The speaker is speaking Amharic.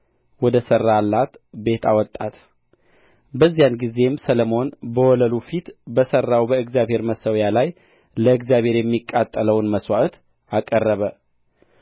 ወደ ሠራላት ቤት አወጣት በዚያን ጊዜም ሰሎሞን በወለሉ ፊት በሠራው በእግዚአብሔር መሠዊያ ላይ ለእግዚአብሔር የሚቃጠለውን መሥዋዕት አቀረበ